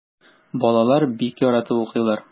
Балалар бик яратып укыйлар.